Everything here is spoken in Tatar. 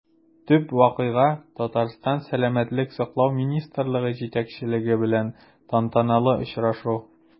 Төп вакыйга – Татарстан сәламәтлек саклау министрлыгы җитәкчелеге белән тантаналы очрашу.